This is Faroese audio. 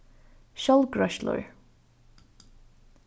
sjálvgreiðslur